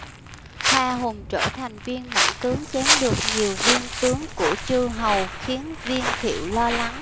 hoa hùng trở thành viên mãnh tướng chém được nhiều viên tướng của chư hầu khiến viên thiệu lo lắng